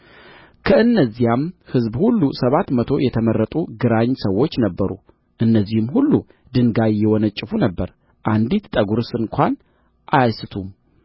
ከእነዚያም ሕዝብ ሁሉ ሰባት መቶ የተመረጡ ግራኝ ሰዎች ነበሩ እነዚህም ሁሉ ድንጋይ ይወነጭፉ ነበር አንዲት ጠጕርስ እንኳ አይስቱም